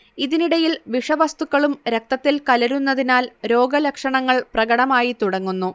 ഇതിനിടയിൽ വിഷവസ്തുക്കളും രക്തത്തിൽ കലരുന്നതിനാൽ രോഗലക്ഷണങ്ങൾ പ്രകടമായിത്തുടങ്ങുന്നു